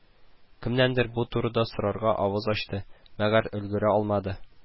Кемнәндер бу турыда сорарга авыз ачты, мәгәр өлгерә алмады